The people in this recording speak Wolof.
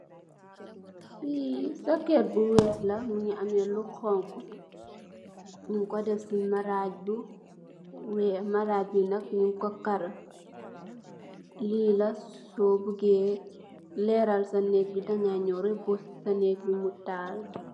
Fee socket bu weex la muge ameh lu xonxo nugku def se marag bu weex marag be nak nugku karou lela su buge leral sa neeg be dagay nyaw rek buss sa neeg be mu taal.